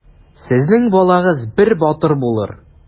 Сезнең балагыз бер батыр булыр.